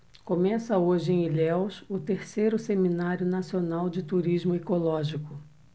começa hoje em ilhéus o terceiro seminário nacional de turismo ecológico